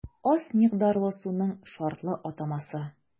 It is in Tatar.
Аз микъдарлы суның шартлы атамасы.